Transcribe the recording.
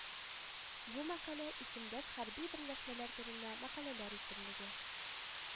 Бу мәкалә исемдәш хәрби берләшмәләр турында мәкаләләр исемлеге